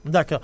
d' accord